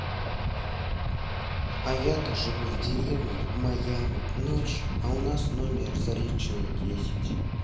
а я то живу в деревне в майами ночь а у нас номер заречная десять